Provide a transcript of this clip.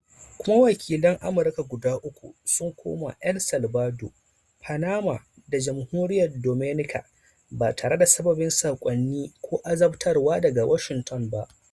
Kuma wakilan Amurka guda uku sun koma El Salvador, Panama da Jamhuriyar Dominica ba tare da sababbin saƙonni ko azabtarwa daga Washington ba.